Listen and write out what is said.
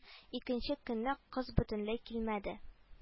Икенче көнне кыз бөтенләй килмәде